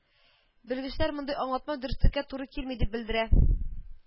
Белгечләр мондый аңлатма дөреслеккә туры килми дип белдерә